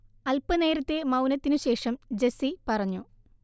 അല്പ്പനേരത്തെ മൌനത്തിനു ശേഷം ജെസ്സി പറഞ്ഞു